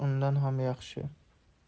undan ham yaxshi